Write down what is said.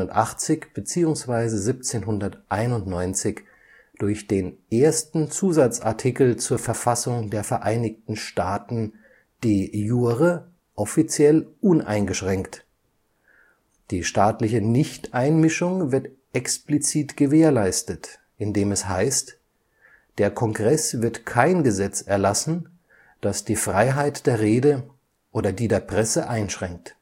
1789 / 91 durch den 1. Zusatzartikel zur Verfassung der Vereinigten Staaten (First Amendment) de jure offiziell uneingeschränkt; die staatliche Nichteinmischung wird explizit gewährleistet („ Der Kongress wird kein Gesetz erlassen […], das die Freiheit der Rede […] oder die der Presse einschränkt